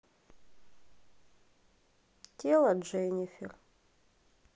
тело дженнифер